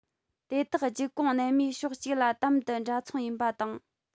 དེ དག རྒྱུད གོང རྣལ མའི ཕྱོགས གཅིག ལ དམ དུ འདྲ མཚུངས ཡིན པ དང